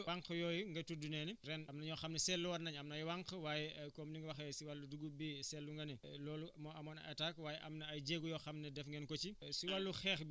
waaw ci wàllu wànq yooyu nga tudd noonu ren am na ñoo xam ne seetlu waat nañ am na ay wànq waaye comme ni nga waxee si wàllu dugub bi seetlu nga ne loolu moo amoon attaque waaye am na ay jéego yoo xam ne def ngeen ko si